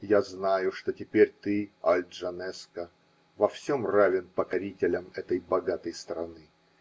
И я знаю, что теперь ты, Аль-Джанеско, во всем равен покорителям этой богатой страны.